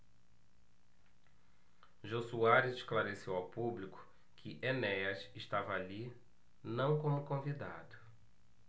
jô soares esclareceu ao público que enéas estava ali não como convidado